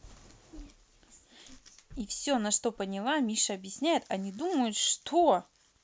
и все на что поняла миша объясняет они думают что